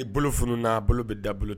Ni bolo funu na, bolo bɛ da bolo